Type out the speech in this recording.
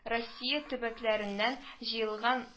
Россия төбәкләреннән җыелган